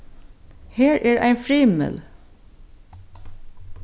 her er ein frymil